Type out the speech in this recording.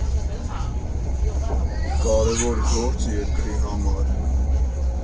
Կարևոր գործ երկրի համար։